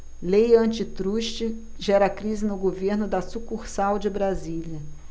lei antitruste gera crise no governo da sucursal de brasília